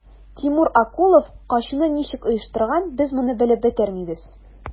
Тимур Акулов качуны ничек оештырган, без моны белеп бетермибез.